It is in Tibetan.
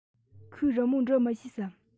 ཁོས རི མོ འབྲི མི ཤེས སམ